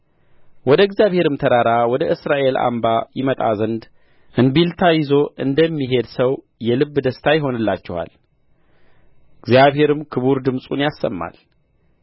ወደ እስራኤል አምባ ይመጣ ዘንድ እንቢልታ ይዞ እንደሚሄድ ሰው የልብ ደስታ ይሆንላችኋል እግዚአብሔርም ክቡር ድምፁን ያሰማል